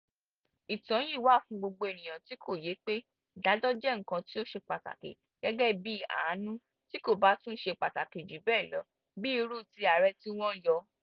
Ìtàn yìí wà fún gbogbo ènìyàn tí kò yé pé ìdájọ́ jẹ́ nǹkan tí ó ṣe pàtàkì, gẹ́gẹ́ bíi àánú - tí kò bá tún ṣe pàtàkì jù bẹ́ẹ̀ lọ, bíi irú tí ààrẹ tí wọ́n yọ.